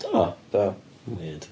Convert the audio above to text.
Do?… Do. ...weird.